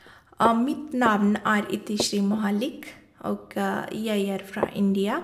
Mitt navn er Itishree Mohallick, og jeg er fra India.